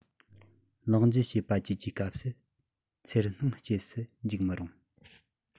ལག འཇུ བྱེད པ བཅས ཀྱི སྐབས སུ འཚེར སྣང སྐྱེས སུ འཇུག མི རུང